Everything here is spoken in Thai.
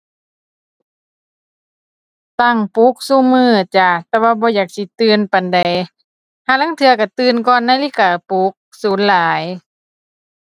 ตั้งปลุกซุมื้อจ้ะ แต่ว่าบ่อยากสิตื่นปานใด ห่าลางเทื่อก็ตื่นก่อนนาฬิกาปลุก สูนหลาย